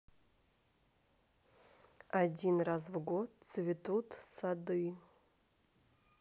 один раз в год цветут сады